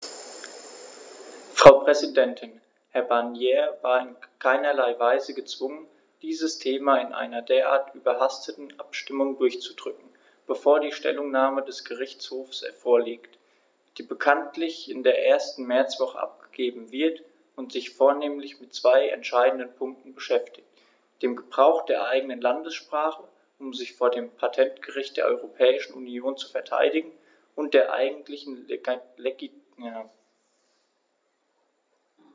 Frau Präsidentin, Herr Barnier war in keinerlei Weise gezwungen, dieses Thema in einer derart überhasteten Abstimmung durchzudrücken, bevor die Stellungnahme des Gerichtshofs vorliegt, die bekanntlich in der ersten Märzwoche abgegeben wird und sich vornehmlich mit zwei entscheidenden Punkten beschäftigt: dem Gebrauch der eigenen Landessprache, um sich vor dem Patentgericht der Europäischen Union zu verteidigen, und der eigentlichen Legitimität der Schaffung eines Patentgerichts.